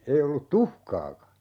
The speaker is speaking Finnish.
ei ollut tuhkaakaan